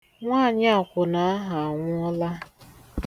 Nwaanyị akwụna ahụ anwụọla.